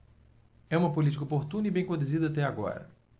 é uma política oportuna e bem conduzida até agora